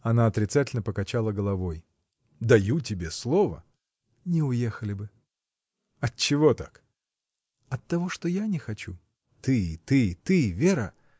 Она отрицательно покачала головой. — Даю тебе слово. — Не уехали бы. — Отчего так? — Оттого, что я не хочу. — Ты, ты, ты, — Вера!